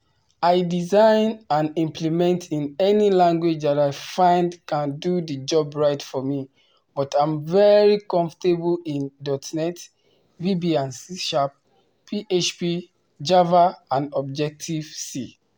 I design and implement in any language that I find can do the job right for me but I’m very comfortable in .NET (VB, C#), PHP, java and Objective C.